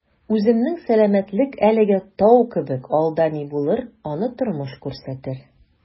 Үземнең сәламәтлек әлегә «тау» кебек, алда ни булыр - аны тормыш күрсәтер...